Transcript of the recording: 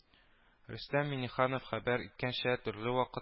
Рөстәм Миңнеханов хәбәр иткәнчә, төрле вакытта